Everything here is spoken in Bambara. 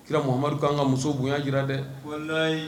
Kirarahamadu' ka muso bonya jira dɛ wala